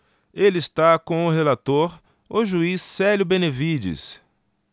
ele está com o relator o juiz célio benevides